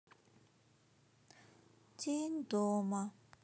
день дома